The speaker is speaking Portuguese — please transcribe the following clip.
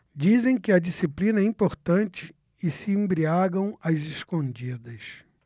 dizem que a disciplina é importante e se embriagam às escondidas